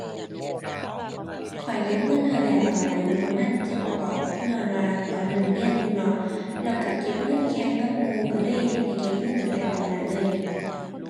ข้อยเก็บเงินเทื่อแรกตอนอายุประมาณเจ็ดขวบ ญ้อนว่าตอนนั้นเรียนอยู่เนาะ แล้วก็เก็บเงินแข่งกับหมู่ก็เลยได้เก็บเงินตั้งแต่ตอนนั้นเลย